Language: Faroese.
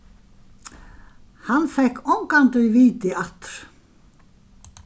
hann fekk ongantíð vitið aftur